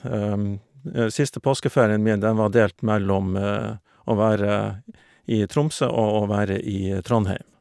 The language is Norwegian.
Siste påskeferien min, den var delt mellom å være i i Tromsø og å være i Trondheim.